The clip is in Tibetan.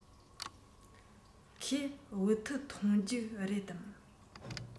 ཁོས བོད ཐུག འཐུང རྒྱུ རེད དམ